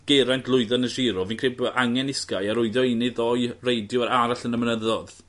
Geraint lwyddo yn y Giro fi'n credu bo' angen i Sky arwyddo un neu ddoi reidiwr arall yn y mynyddo'dd.